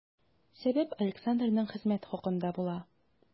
Сәбәп Александрның хезмәт хакында була.